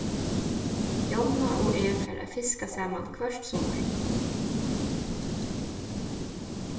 jonna og eg fara at fiska saman hvørt summar